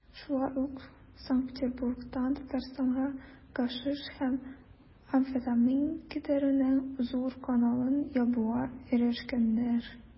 Шулай ук Санкт-Петербургтан Татарстанга гашиш һәм амфетамин китерүнең зур каналын ябуга ирешкәннәр.